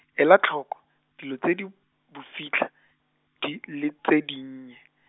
ela tlhoko, dilo tse di, bofitlha, di le tse dinnye.